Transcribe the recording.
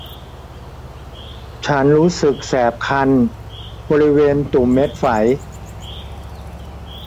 ฉันรู้สึกแสบคันบริเวณตุ่มเม็ดไฝ